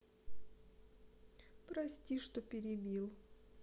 прости что перебил